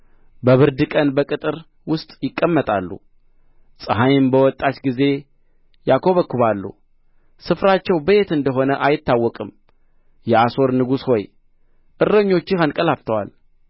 በብርድ ቀን በቅጥር ውስጥ ይቀመጣሉ ፀሐይም በወጣች ጊዜ ያኰበኵባሉ ስፍራቸው በየት እንደ ሆነ አይታወቅም የአሦር ንጉሥ ሆይ እረኞችህ አንቀላፍተዋል